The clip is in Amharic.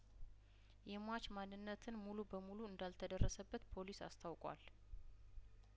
የሟች ማንነትን ሙሉ በሙሉ እንዳል ተደረሰበት ፖሊስ አስታውቋል